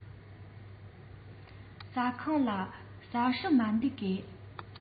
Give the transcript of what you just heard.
ཟ ཁང ལ ཇ སྲུབས མ འདུག གས